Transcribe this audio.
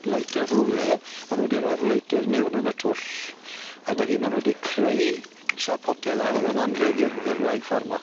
lighter rwle a ma' nw wedi roi'r lighter mewn yn y twll ag wedyn ma' nw 'di creu siap potel a roi fe'n anrheg i'r i'r wraig ffarma.